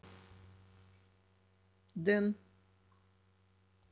дэн